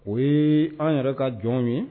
O ye an yɛrɛ ka jɔn ye